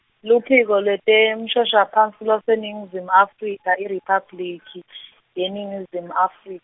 Luphiko lweTemshoshaphasi lwaseNingizimu Afrika IRiphabliki, yeNingizimu Afri-.